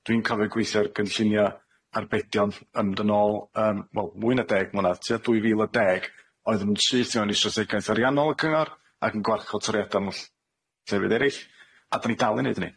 Dwi'n cofio gweithio'r gynllunia arbedion yn mynd yn ôl yym wel mwy na deg mlynadd tua dwy fil a deg oedd yn syth mewn i strategaeth ariannol y cyngor, ac yn gwarchod toriada' mewn ll- llefydd eryll a da ni dal i neud hynny.